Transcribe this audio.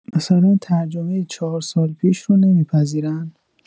مثلا ترجمه چهارسال پیش رو نمی‌پذیرن؟